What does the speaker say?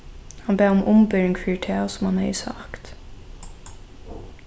hann bað um umbering fyri tað sum hann hevði sagt